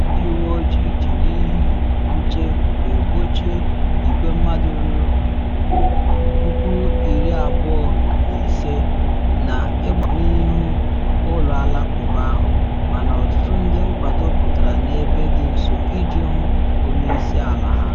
Ndị uwe ojii ji n’ihi nche wee gbochie igwe mmadụ ruru 25,000 na ịgbakọta n’ihu ụlọ alakụba ahụ, mana ọtụtụ ndị nkwado pụtara n’ebe dị nso iji hụ onye isi ala ha.